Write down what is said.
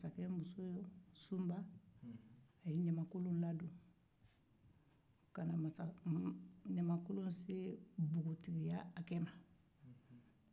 masakɛ muso sunba ye ɲamankolon ladon ka na ɲamankolon se npogotigiya ma